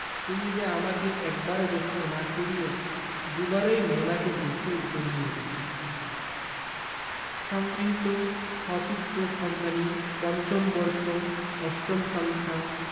তুমি যে আমাকে একবারও গোসল না করিয়ে দুবারই মোনাকে গোসল করিয়ে এনেছো সংগৃহীত সচিত্র সন্ধানী৫ম বর্ষ ৮ম সংখ্যা